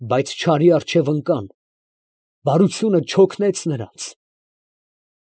Բայց չարի առջև ընկան, բարությունը չօգնեց նրանց…։